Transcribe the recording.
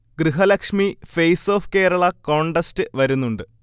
Grihalakshmi face of Kerala contest വരുന്നുണ്ട്